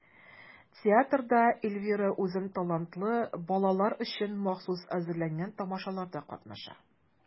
Театрда Эльвира үзен талантлы балалар өчен махсус әзерләнгән тамашаларда катнаша.